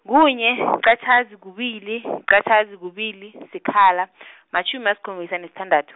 kunye , yiqatjhazi, kubili, yiqatjhazi, kubili, sikhala , matjhumi, asikhombisa, nesithandathu.